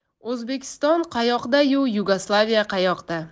o'zbekiston qayoqdayu yugoslaviya qayoqda